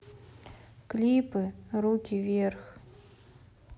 клипы руки вверх